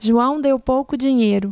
joão deu pouco dinheiro